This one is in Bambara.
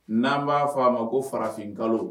N'an b'a fɔ a ma ko farafin kalo.